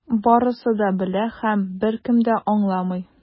Барысы да белә - һәм беркем дә аңламый.